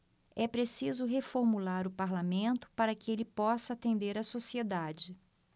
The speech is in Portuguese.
é preciso reformular o parlamento para que ele possa atender a sociedade